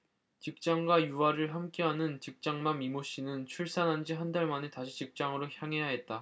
직장과 육아를 함께하는 직장맘 이모씨는 출산한지 한 달 만에 다시 직장으로 향해야 했다